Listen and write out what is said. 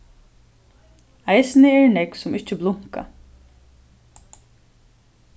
eisini eru nógv sum ikki blunka